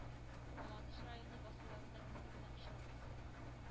Мамадыш районы басуларында кемне генә очратмыйсың.